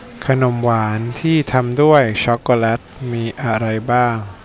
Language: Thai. ขนมหวานที่ทำด้วยช็อกโกแลตมีอะไรบ้าง